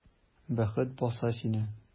Бәхет баса сине!